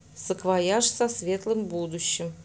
саквояж со светлым будущим